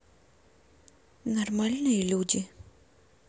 нормальные люди